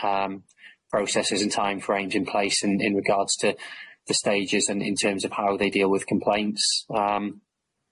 erm processes and time frames in place, and in regards to the stages, and in terms of how they deal with complaints, erm